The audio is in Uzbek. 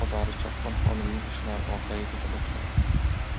bozori chaqqon xonimning ishlari orqaga keta boshladi